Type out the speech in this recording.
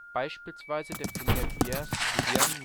Beispielsweise definiert Bierce „ Gehirn